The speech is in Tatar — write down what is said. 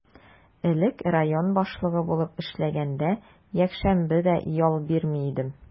Элек район башлыгы булып эшләгәндә, якшәмбе дә ял бирми идем.